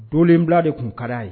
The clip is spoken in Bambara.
Dolenbila de tun ka ye